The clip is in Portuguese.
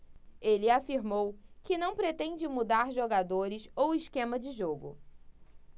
ele afirmou que não pretende mudar jogadores ou esquema de jogo